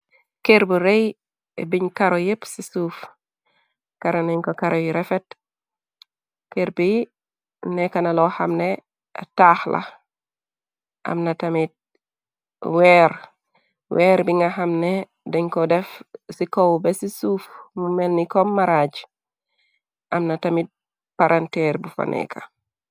kër bu rëy biñ karo yépp ci suuf kara nañ ko kare yu refet kër bi nekkana loo xamne taax la amna tamit weer weer bi nga xamne dañ ko def ci kow be ci suuf mu melni kom maraaj amna tamit paranteer bu fa neeka